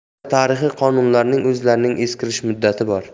barcha tarixiy qonunlarning o'zlarining eskirish muddati bor